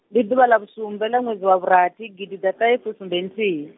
ndi ḓuvha ḽa vhu sumbe ḽa ṅwedzi wa vhu rathi gidiḓaṱahefusumbenthihi.